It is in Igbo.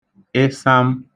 ịsam